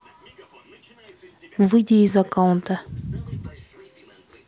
выйди из аккаунта